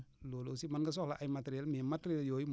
loolu aussi mën nga soxla ay matériels mais matériels yooyu